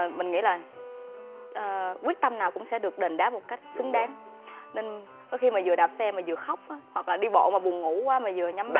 mình nghĩ là quyết tâm nào cũng sẽ được đền đáp một cách xứng đáng nên có khi mà vừa đạp xe mà vừa khóc á hoặc là đi bộ mà buồn ngủ quá mà vừa nhắm mắt